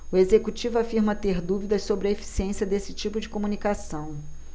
o executivo afirma ter dúvidas sobre a eficiência desse tipo de comunicação